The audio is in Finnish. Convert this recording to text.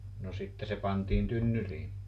no sitten se pantiin tynnyriin